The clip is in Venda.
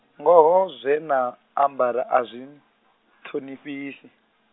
ngoho zwena, ambara a zwi, n- ṱhonifhisi.